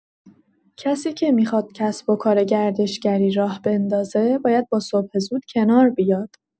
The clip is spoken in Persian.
کسی که می‌خواد کسب‌وکار گردشگری راه بندازه باید با صبح زود کنار بیاد.